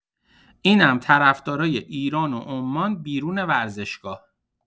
اینم طرفدارای ایران و عمان بیرون ورزشگاه